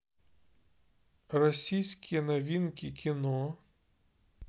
российские новинки кино